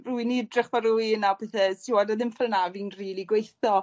rwun i idrych fel rwun a pethe t'mod a ddim ffor 'na fi'n rili gweitho.